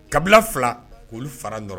Kabila fila ko fara dɔrɔn